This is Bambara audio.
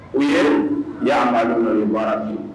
O ye yan' baara bi